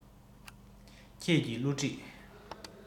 ཁྱེད ཀྱི བསླུ བྲིད